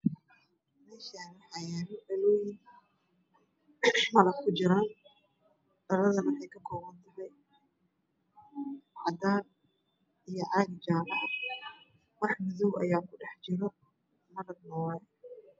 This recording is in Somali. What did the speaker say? Meshani waxaa yala dhaloyin malab ku jiran dhalada wexeey ka koban tahay cadan iyo caag jala ah wax madoow ayaa ku dhex jira malabka waye